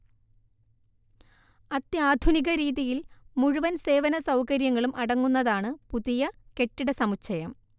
അത്യാധുനിക രീതിയിൽ മുഴുവൻ സേവന സൗകര്യങ്ങളും അടങ്ങുന്നതാണ് പുതിയ കെട്ടിടസമുച്ചയം